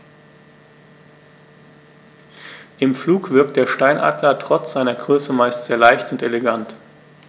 Im Flug wirkt der Steinadler trotz seiner Größe meist sehr leicht und elegant.